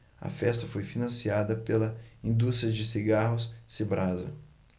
a festa foi financiada pela indústria de cigarros cibrasa